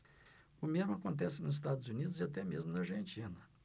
o mesmo acontece nos estados unidos e até mesmo na argentina